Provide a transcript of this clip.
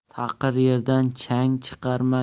taqir yerdan chang chiqarma